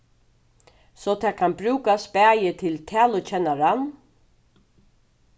so tað kann brúkast bæði til talukennaran